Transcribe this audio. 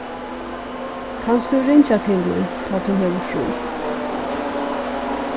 kanst tú ringja til mín tá tú hevur frí